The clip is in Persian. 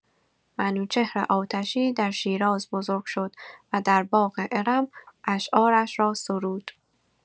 منوچهر آتشی در شیراز بزرگ شد و در باغ ارم اشعارش را سرود.